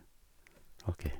OK.